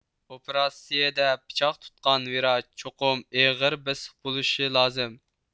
ئوپېراتسىيىدە پىچاق تۇتقان ۋراچ چوقۇم ئېغىر بېسىق بولۇشى لازىم